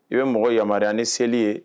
I ka mɔgɔ yamaruya ni seli ye